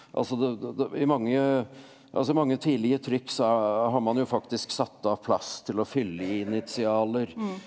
altså det det det i mange altså mange tidlige trykk så har man jo faktisk satt av plass til å fylle initialer.